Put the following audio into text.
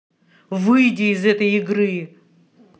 выйди из этой игры